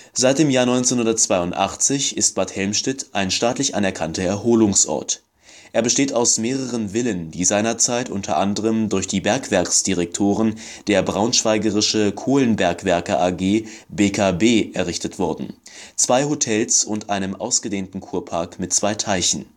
Seit dem Jahr 1982 ist Bad Helmstedt ein staatlich anerkannter Erholungsort. Er besteht aus mehreren Villen, die seinerzeit u. a. durch die Bergwerksdirektoren der Braunschweigische Kohlen-Bergwerke AG (BKB) errichtet wurden, zwei Hotels und einem ausgedehnten Kurpark mit zwei Teichen